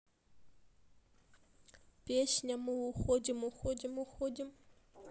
песня мы уходим уходим уходим